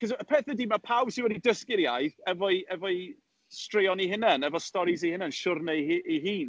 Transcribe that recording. Cos y peth ydy, ma' pawb sy wedi dysgu'r iaith efo'i efo'i straeon ei hunain, efo storis ei hunain, siwrne ei hu- ei hun.